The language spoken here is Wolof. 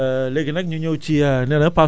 loolu am na solo defe naa ni leer na